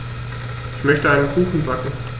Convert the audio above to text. Ich möchte einen Kuchen backen.